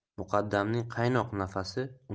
muqaddamning qaynoq nafasi